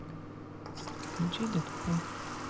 включи дэдпул